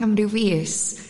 am ryw fis